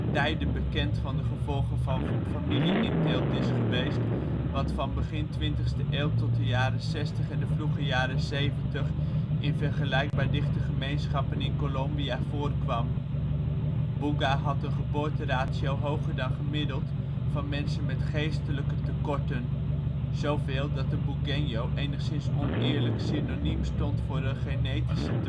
tijden bekend van de gevolgen van familieinteelt is geweest, wat van begin 20e eeuw tot de jaren ' 60 en de vroege jaren ' 70 in vergelijkbaar dichte gemeenschappen in Colombia voorkwam. Buga had een geboorteratio, hoger dan gemiddeld, van mensen met geestelijke tekorten. Zo veel dat een " bugueño " enigszins oneerlijk synoniem stond voor een " genetische